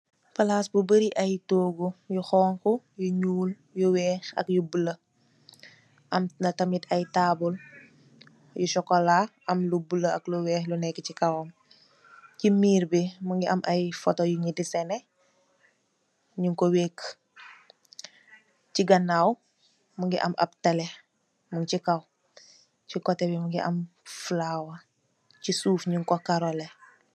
Palas bu bari ay toogu, yu xonxu, yu nyuul, yu weex, ak yu bula, amna tamit ay taabul, yu sokola am lu bula ak lu weex lu nek si kawam, si miir bi mingi am ay foto yunyu desene, nyun ko wekk, ci gannaaw mingi am ab tele, mung si kaw, ci kote bi mingi am fulawa, si suuf nyun ko karu lee.